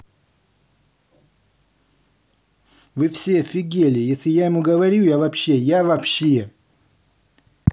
вы все офигели если я ему говорю я вообще я вообще